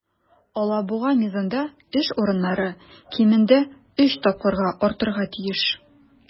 "алабуга" мизында эш урыннары кимендә өч тапкырга артарга тиеш.